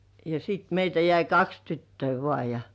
ja sitten meitä jäi kaksi tyttöä vain ja